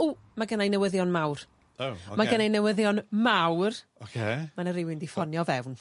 O ma' gynnai newyddion mawr. O, oce. Mae gynnai newyddion mawr. Oce. Ma' 'na rywun di ffonio fewn.